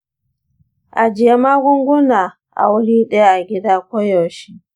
ajiye magunguna a wuri ɗaya a gida koyaushe.